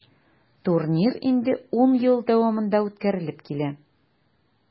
Турнир инде 10 ел дәвамында үткәрелеп килә.